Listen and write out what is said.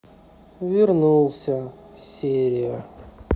вернулся серия